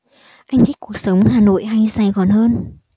anh thích cuộc sống hà nội hay sài gòn hơn